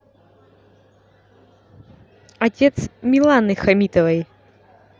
отец миланы хамитовой